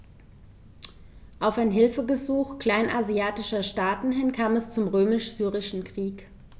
Auf ein Hilfegesuch kleinasiatischer Staaten hin kam es zum Römisch-Syrischen Krieg.